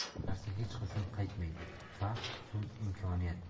uch narsa hech qachon qaytmaydi vaqt so'z imkoniyat